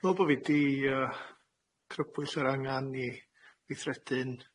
Dw me'wl bo' fi 'di yy crybwyll yr angan i weithredu'n